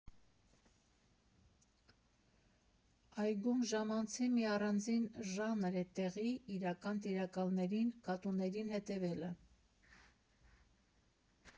Այգում ժամանցի մի առանձին ժանր է տեղի իրական տիրակալներին՝ կատուներին հետևելը։